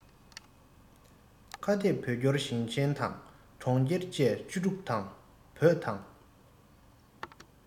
ཁ གཏད བོད སྐྱོར ཞིང ཆེན དང གྲོང ཁྱེར བཅས བཅུ དྲུག དང བོད དང